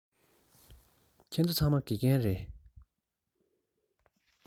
ཁྱེད ཚོ ཚང མ དགེ རྒན རེད